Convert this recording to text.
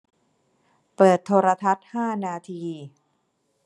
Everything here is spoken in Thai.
เปิดโทรทัศน์ห้านาที